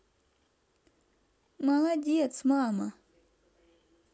молодец мама